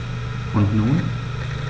Und nun?